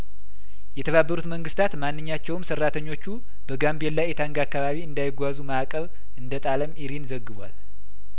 የተባበሩት መንግስታት ማንኛቸውም ሰራተኞቹ በጋምቤላ ኢታንግ አካባቢ እንዳይጓዙ ማእቀብ እንደጣለም ኢሪን ዘግቧል